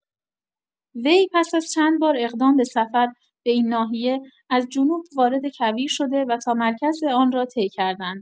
وی پس از چند بار اقدام به سفر به این ناحیه، از جنوب وارد کویر شده و تا مرکز آن را طی کردند.